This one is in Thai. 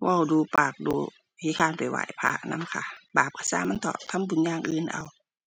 เว้าดู๋ ปากดู๋ ขี้คร้านไปไหว้พระนำค่ะ บาปก็ก็มันเถาะ ทำบุญอย่างอื่นเอา